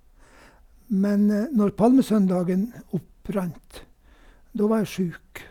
Men når palmesøndagen opprant, da var jeg sjuk.